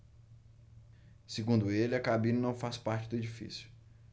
segundo ele a cabine não faz parte do edifício